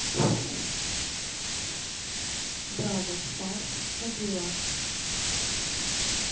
бравл старс кадиллак